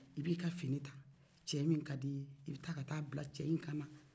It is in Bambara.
i b'i ka fini ta cɛ min ka d'i ye i bɛ taa ka taa bila cɛ in kan na